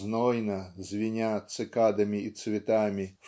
знойно звеня цикадами и цветами